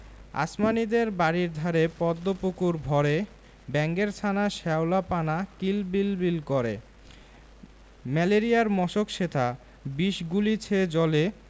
আসমানীদের বাড়ির ধারে পদ্ম পুকুর ভরে ব্যাঙের ছানা শ্যাওলা পানা কিল বিল বিল করে ম্যালেরিয়ার মশক সেথা বিষ গুলিছে জলে